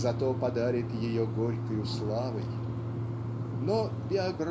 зато подарш ее юрькою славой. Но оио!